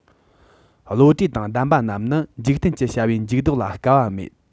བློ གྲོས དང ལྡན པ རྣམས ནི འཇིག རྟེན གྱི བྱ བའི འཇུག ལྡོག ལ དཀའ བ མེད